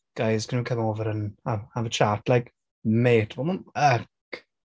"Guys, can you come over and have have a chat?" Like, mate. Oedd nhw'n... Yuck!